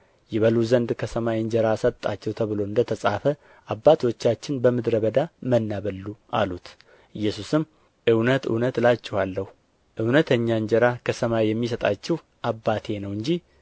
ይበሉ ዘንድ ከሰማይ እንጀራ ሰጣቸው ተብሎ እንደ ተጻፈ አባቶቻችን በምድረ በዳ መና በሉ አሉት ኢየሱስም እውነት እውነት እላችኋለሁ እውነተኛ እንጀራ ከሰማይ የሚሰጣችሁ አባቴ ነው እንጂ